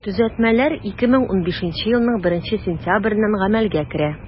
Төзәтмәләр 2015 елның 1 сентябреннән гамәлгә керә.